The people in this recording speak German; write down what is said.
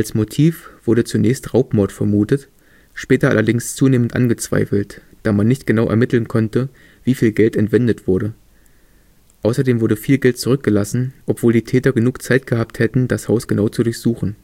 Motiv wurde zunächst Raubmord vermutet, später allerdings zunehmend angezweifelt, da man nicht genau ermitteln konnte, wie viel Geld entwendet wurde. Außerdem wurde viel Geld zurückgelassen, obwohl die Täter genug Zeit gehabt hätten, das Haus genau zu durchsuchen